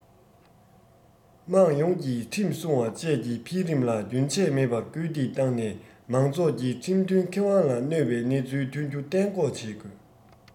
དམངས ཡོངས ཀྱིས ཁྲིམས སྲུང བ བཅས ཀྱི འཕེལ རིམ ལ རྒྱུན ཆད མེད པར སྐུལ འདེད བཏང ནས མང ཚོགས ཀྱི ཁྲིམས མཐུན ཁེ དབང ལ གནོད པའི གནས ཚུལ ཐོན རྒྱུ གཏན འགོག བྱེད དགོས